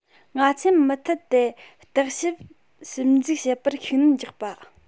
ང ཚོས མུ མཐུད དེ བརྟག དཔྱད ཞིབ འཇུག བྱེད པར ཤུགས སྣོན རྒྱག པ